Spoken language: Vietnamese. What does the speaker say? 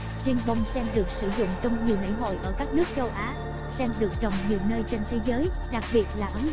riêng bông sen được sử dụng trong nhiều lễ hội ở các nước châu á sen được trồng nhiều nơi trên thế giới đặc biệt là ấn độ trung quốc